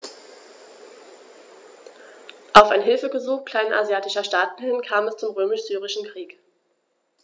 Auf ein Hilfegesuch kleinasiatischer Staaten hin kam es zum Römisch-Syrischen Krieg.